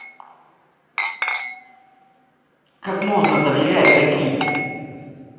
как можно доверять таким